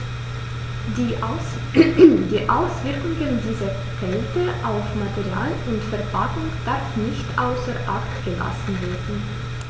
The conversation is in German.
Die Auswirkungen dieser Kälte auf Material und Verpackung darf nicht außer acht gelassen werden.